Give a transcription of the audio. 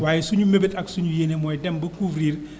waaye sunu mbébét ak sunu yéene mooy dem ba couvrir